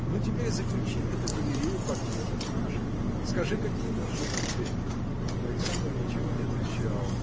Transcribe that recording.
Ну, теперь заключи эту галерею портретов нашими скажи, какие мы с женой звери? Александр ничего не отвечал